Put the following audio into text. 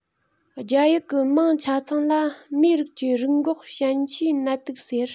རྒྱ ཡིག གི མིང ཆ ཚང ལ མིའི རིགས ཀྱི རིམས འགོག ཞན ཆའི ནད དུག ཟེར